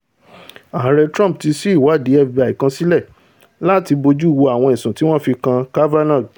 Ààrẹ Trump ti sí ìwáàdí FBI kan sílẹ̀ láti bojúwo àwọn ẹ̀sùn tí wọn fi kan Kavanaugh.